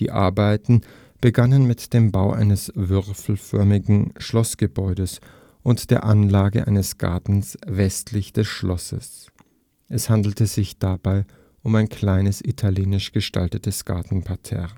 Arbeiten begannen mit dem Bau eines würfelförmigen Schlossgebäudes und der Anlage eines Gartens westlich des Schlosses. Es handelte sich dabei um ein kleines, italienisch gestaltetes Gartenparterre